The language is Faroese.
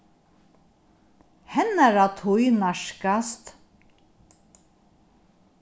hennara tíð nærkast